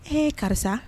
Ee karisa